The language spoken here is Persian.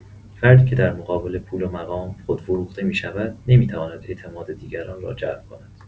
فردی که در مقابل پول و مقام، خودفروخته می‌شود، نمی‌تواند اعتماد دیگران را جلب کند.